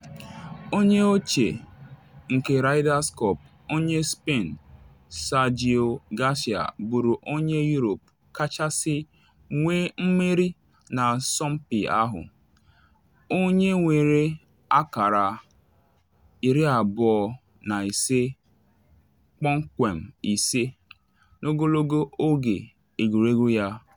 Onye ochie nke Ryder Cups, onye Spain Sergio Garcia bụrụ onye Europe kachasị nwee mmeri na asọmpi ahụ, onye nwere akara 25.5 n’ogologo oge egwuregwu ya.